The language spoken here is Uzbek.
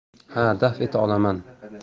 ha daf eta olaman